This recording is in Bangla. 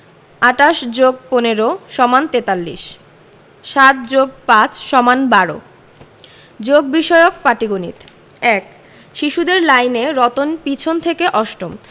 ২৮ + ১৫ = ৪৩ ৭+৫ = ১২ যোগ বিষয়ক পাটিগনিতঃ ১ শিশুদের লাইনে রতন পিছন থেকে অষ্টম